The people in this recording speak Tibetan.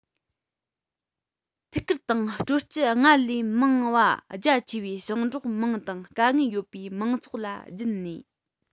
ཐུགས ཁུར དང དྲོ སྐྱིད སྔར ལས མང བ རྒྱ ཆེའི ཞིང འབྲོག དམངས དང དཀའ ངལ ཡོད པའི མང ཚོགས ལ སྦྱིན ནས